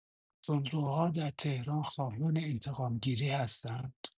تندروها در تهران خواهان انتقام‌گیری هستند!